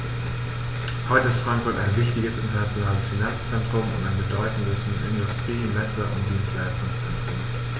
Heute ist Frankfurt ein wichtiges, internationales Finanzzentrum und ein bedeutendes Industrie-, Messe- und Dienstleistungszentrum.